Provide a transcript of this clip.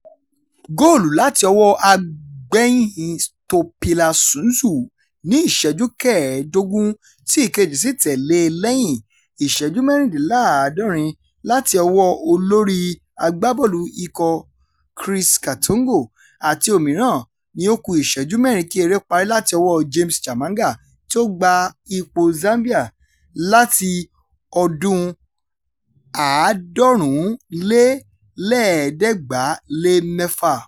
Góòlù láti ọwọ́ agbéyìn Stopilla Sunzu ni ìṣẹ́jú kẹẹ̀dógún, tí ìkejì sì tẹ̀lé e ní lẹ́yìn ìṣẹ́jú mẹ́rìndínláàdọ́rin láti ọwọ́ olorí agbábọ́ọ̀lù ikọ̀ Chris Katongo àti òmíràn ní ó kú ìṣẹ́jú mẹ́rin kí eré parí láti ọwọ́ James Chamanga, tí ó gba ipò Zambia láti ọdún 1996.